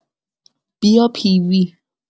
بیا پی وی